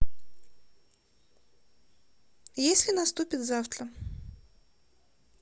если наступит завтра